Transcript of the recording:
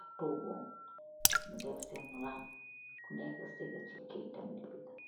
ak tokoom di deef senn raak kuuh neekah sekah si kaitam di bendah.